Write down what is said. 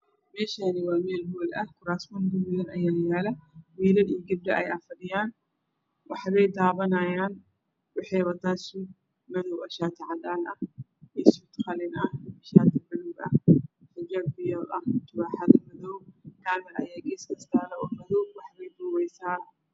Meeshaan waa meel hool ah kuraasman gaduudan ayaa yaalo wiilal iyo gabdho ayaa fadhiya wax bay daawanahayaan waxay wataan suud iyo shaati cadaan ah iyo suud qalin ah iyo shaati cadaan ah xijaab fiyool ah taraaxad madow. Kaamiro ayaa geeskaas taalo.